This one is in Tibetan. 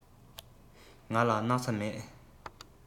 ང ལ སྣག ཚ མེད